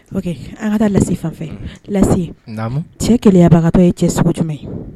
An ka taa lase fan cɛ gɛlɛyayabagatɔ ye cɛ sogo jumɛn ye